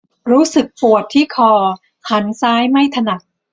รู้สึกปวดที่คอหันซ้ายไม่ถนัด